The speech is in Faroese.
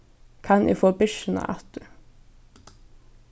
kann eg fáa byrsuna aftur